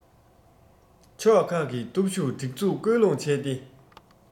ཕྱོགས ཁག གི སྟོབས ཤུགས སྒྲིག འཛུགས སྐུལ སློང བྱས ཏེ